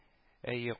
– әйе